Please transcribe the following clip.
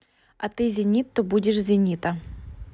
а ты зенит то будешь зенита